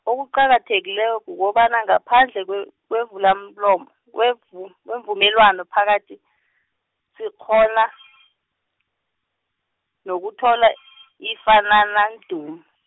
okuqakathekileko kukobana ngaphandle kwe- kwevulamlomo, kwevum- kwevumelwano phakathi, sikghona, nokuthola, ifanana mdumo.